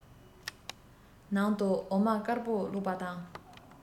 ནང དུ འོ མ དཀར པོ བླུགས པ དང